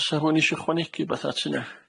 O's 'a rywun isio ychwanegu wbath at hynna?